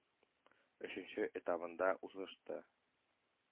Өченче этабында узышты.